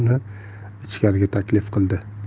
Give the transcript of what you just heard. uni ichkariga taklif qildi